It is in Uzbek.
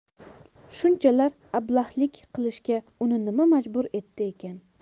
shunchalar ablahlik qilishga uni nima majbur etdi ekan